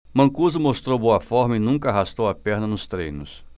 mancuso mostrou boa forma e nunca arrastou a perna nos treinos